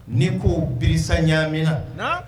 N' ko bi ɲamina